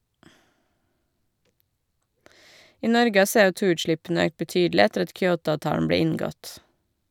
I Norge har CO2-utslippene økt betydelig etter at Kyoto-avtalen ble inngått.